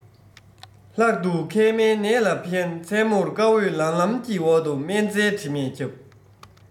ལྷག ཏུ མཁལ མའི ནད ལ ཕན མཚན མོར སྐར འོད ལམ ལམ གྱི འོག ཏུ སྨན རྩྭའི དྲི མས ཁྱབ